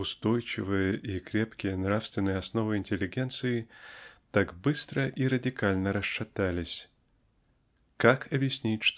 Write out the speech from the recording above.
устойчивые и крепкие нравственные основы интеллигенции так быстро и радикально расшатались? Как объяснить